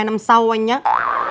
tháng sau anh nhá